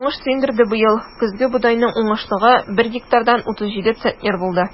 Уңыш сөендерде быел: көзге бодайның уңышлылыгы бер гектардан 37 центнер булды.